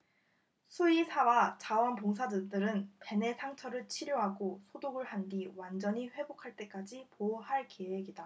수의사와 자원 봉사자들은 벤의 상처를 치료하고 소독을 한 뒤 완전히 회복할 때까지 보호할 계획이다